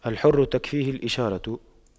الحر تكفيه الإشارة